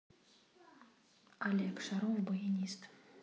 олег шаров баянист